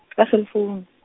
-a cell phone.